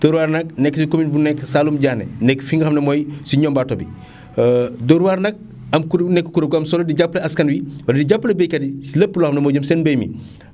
Dóor waar nag nekk si commune bu nekk kër Saalum Diané nekk fi nga xam ne mooy si ñombaato bi Dóor waar nag am kur nekk kuréel gu am solo di jàppale askan wi wala di jàppale baykat yi si lépp loo xam ne moo jëm seen mbay mi